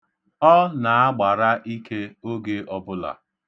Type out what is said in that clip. Ọ na-agbara ike oge ọbụla.